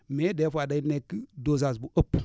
mais des fois day nekk dosage bu ëpp